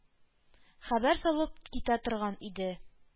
Хәбәр салып китә торган иде.